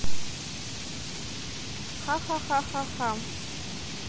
хахахахаха